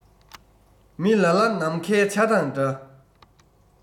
མི ལ ལ ནམ མཁའི བྱ དང འདྲ